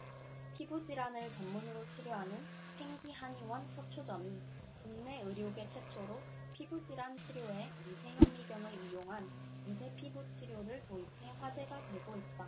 피부질환을 전문으로 치료하는 생기한의원 서초점이 국내 의료계 최초로 피부질환 치료에 미세현미경을 이용한 미세피부치료를 도입해 화제가 되고 있다